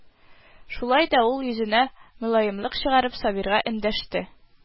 Шулай да ул, йөзенә мөлаемлык чыгарып, Сабирга эндәште: